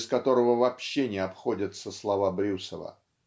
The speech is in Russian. без которого вообще не обходятся слова Брюсова ".